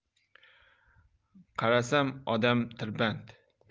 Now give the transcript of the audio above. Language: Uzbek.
qarasam odam tirband